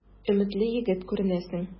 Өметле егет күренәсең.